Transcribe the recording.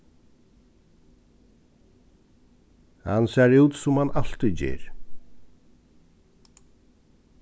hann sær út sum hann altíð ger